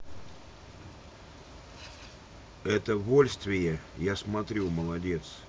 это вольствие я смотрю молодец